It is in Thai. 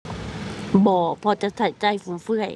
บ่ เพราะจะใช้จ่ายฟุ่มเฟือย